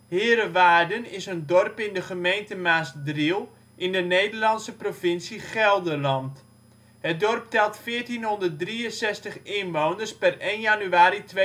Heerewaarden is een dorp in de gemeente Maasdriel in de Nederlandse provincie Gelderland. Het dorp telt 1463 inwoners (per 1 januari 2010